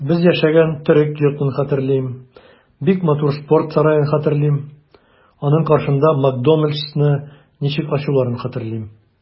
Без яшәгән төрек йортын хәтерлим, бик матур спорт сараен хәтерлим, аның каршында "Макдоналдс"ны ничек ачуларын хәтерлим.